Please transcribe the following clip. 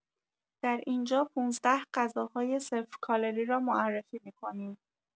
در اینجا ۱۵ غذاهای صفر کالری را معرفی می‌کنیم